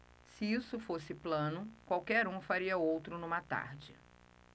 se isso fosse plano qualquer um faria outro numa tarde